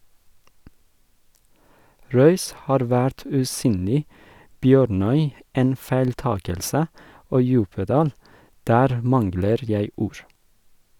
Røys har vært usynlig, Bjørnøy en feiltakelse og Djupedal - der mangler jeg ord.